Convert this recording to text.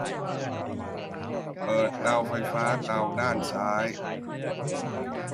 เปิดเตาไฟฟ้าเตาด้านซ้าย